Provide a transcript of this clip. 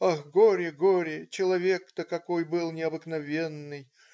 Ах, горе, горе, человек-то какой был, необыкновенный.